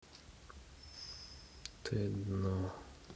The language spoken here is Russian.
ты дно